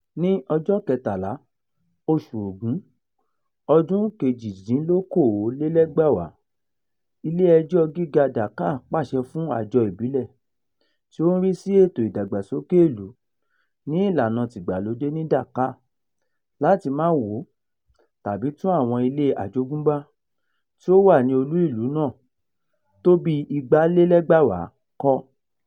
Ní ọjọ́ 13, oṣù Ògún ọdún-un 2018, Ilé-ẹjọ́ Gíga Dhaka pàṣẹ fún àjọ ìjọba tí ó ń rí sí ètò ìdàgbàsókè ìlú ní ìlànà tìgbàlódé ní Dhaka láti máà wó tàbí tún àwọn ilé àjogúnbá tí ó wà ní olú-ìlú náà tó bíi 2,200 kọ́.